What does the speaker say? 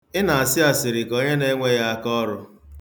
Ị na-asị asịrị ka onye na-enweghị aka ọrụ.